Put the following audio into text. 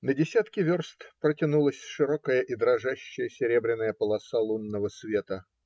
На десятки верст протянулась широкая и дрожащая серебряная полоса лунного света